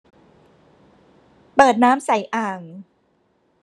เปิดน้ำใส่อ่าง